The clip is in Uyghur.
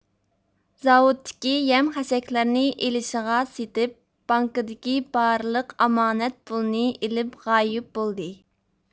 زاۋۇتتىكى يەم خەشەكلەرنى ئېلىشىغا سېتىپ بانكىدىكى بارلىق ئامانەت پۇلنى ئېلىپ غايىب بولدى